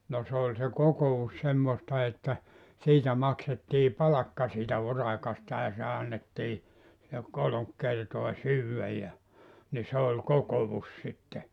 no se oli se kokous semmoista että siitä maksettiin palkka siitä urakasta ja se annettiin ja kolme kertaa syödä ja niin se oli kokous sitten